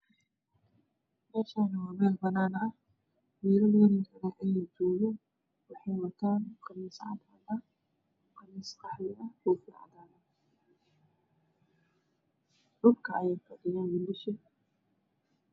Meshani waa meel banaan ah wiilal yar yara ayaa joogo wexey watan qamiis cadan iyo qamiis qaxwi ah dhul ka ayeey fadhiyan wiilasha